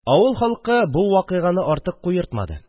Авыл халкы бу вакыйганы артык куертмады